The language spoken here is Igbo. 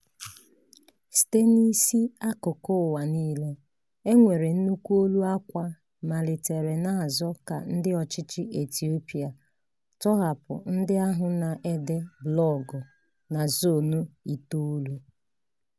Site n'isi akụkụ ụwa niile, e nwere nnukwu olu ákwá malitere na-azọ ka ndị ọchịchị Ethiopia tọghapụ ndị ahụ na-ede blọọgụ na Zone9.